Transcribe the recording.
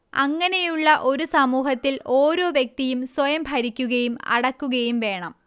അങ്ങനെയുള്ള ഒരു സമൂഹത്തിൽ ഒരോ വ്യക്തിയും സ്വയം ഭരിക്കുകയും അടക്കുകയും വേണം